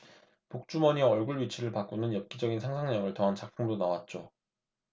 복주머니와 얼굴 위치를 바꾸는 엽기적인 상상력을 더한 작품도 나왔죠